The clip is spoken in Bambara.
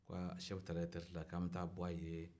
ko aa sefu taara ereterɛti la k'an bɛ taa b'a ye